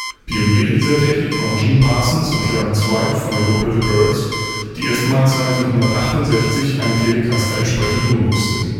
Pioniere dieser Technik waren Gene Parsons und Clarence White von der Gruppe The Byrds, die erstmals 1968 eine Telecaster entsprechend umrüsteten